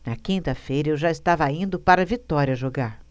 na quinta-feira eu já estava indo para vitória jogar